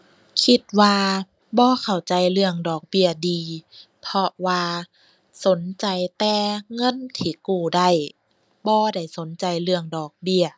คิดว่าบ่เข้าใจเรื่องดอกเบี้ยดี เพราะว่าสนใจแต่เงินที่กู้ได้ บ่ได้สนใจเรื่องดอกเบี้ย